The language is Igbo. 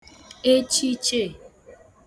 echicheè